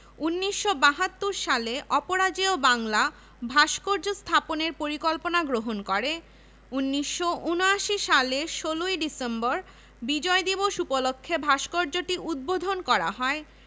১৯৭২ সালে অপরাজেয় বাংলা ভাস্কর্য স্থাপনের পরিকল্পনা গ্রহণ করে ১৯৭৯ সালের ১৬ ডিসেম্বর বিজয় দিবস উপলক্ষে ভাস্কর্যটি উদ্বোধন করা হয়